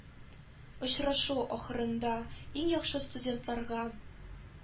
Очрашу ахырында иң яхшы студентларга